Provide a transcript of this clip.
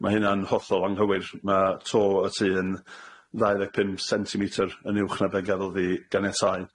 Ma' hynna'n hollol anghywir. Ma' to y tŷ yn ddau ddeg pump centimetr yn uwch na be' gafodd 'i ganiatáu.